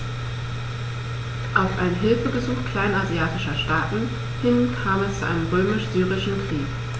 Auf ein Hilfegesuch kleinasiatischer Staaten hin kam es zum Römisch-Syrischen Krieg.